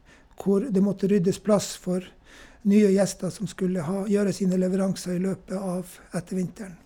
Hvor det måtte ryddes plass for nye gjester som skulle ha gjøre sine leveranser i løpet av ettervinteren.